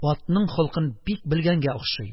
Атның холкын бик белгәнгә охшый.